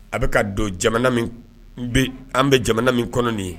A bɛ ka don jamana an bɛ jamana min kɔnɔ ye